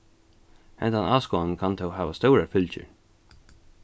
hendan áskoðanin kann tó hava stórar fylgjur